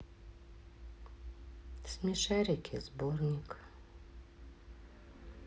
смешарики сборник